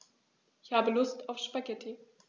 Ich habe Lust auf Spaghetti.